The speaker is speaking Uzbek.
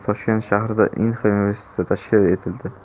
toshkent shahrida inxa universiteti tashkil etildi